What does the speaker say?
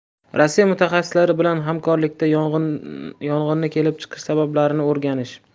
rossiya mutaxassislari bilan hamkorlikda yong'inni kelib chiqish sabablarini o'rganish